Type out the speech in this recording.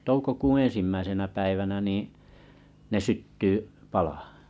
toukokuun ensimmäisenä päivänä niin ne syttyy palamaan